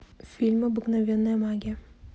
фильм обыкновенная магия